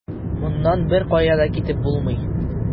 Моннан беркая да китеп булмый.